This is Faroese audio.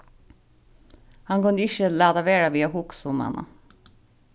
hann kundi ikki lata vera við at hugsa um hana